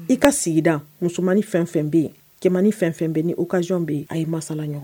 I ka sigida musomanmaninin fɛn fɛn bɛ yen cɛmanmani ni fɛn fɛn bɛ ni o kason yen a ye masala ɲɔgɔn